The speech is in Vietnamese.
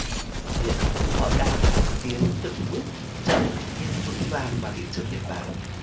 hiện họ đang tiến từng bước chậm nhưng vững vàng vào thị trường nhật bản